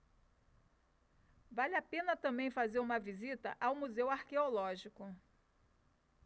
vale a pena também fazer uma visita ao museu arqueológico